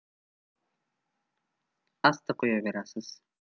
asti qo'yaverasiz